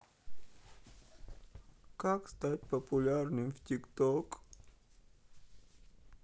как стать популярным в тик ток